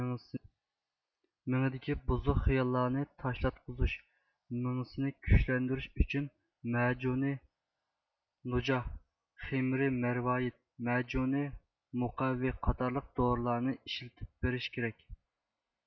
مېڭىدىكى بۇزۇق خىياللارنى تاشلاتقۇزۇش مېڭىسىنى كۈچلەندۈرۈش ئۈچۈن مەجۇنى نۇجاھ خىمىرى مەرۋايىت مەجۇنى مۇقەۋۋى قاتارلىق دورىلارنى ئىشلىتىپ بېرىش كېرەك